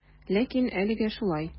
Ләкин әлегә шулай.